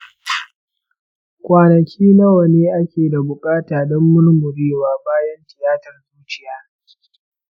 kwanaki nawa ne ake da buƙata don murmurewa bayan tiyatar zuciya?